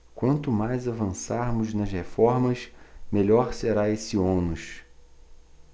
quanto mais avançarmos nas reformas menor será esse ônus